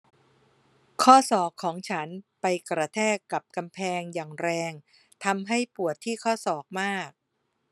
ข้อศอกของฉันไปกระแทกกับกำแพงอย่างแรงทำให้ปวดที่ข้อศอกมาก